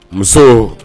Muso